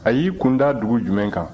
a y'i kun da dugu jumɛn kan